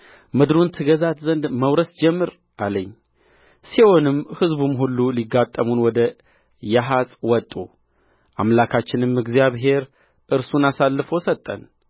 ምድሩን ትገዛት ዘንድ መውረስ ጀምር አለኝሴዎንም ሕዝቡም ሁሉ ሊጋጠሙን ወደ ያሀጽ ወጡአምላካችንም እግዚአብሔር እርሱን አሳልፎ ሰጠን